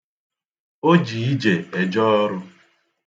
O ji ije eje ọrụ.